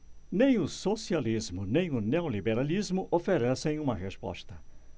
nem o socialismo nem o neoliberalismo oferecem uma resposta